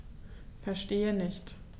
Verstehe nicht.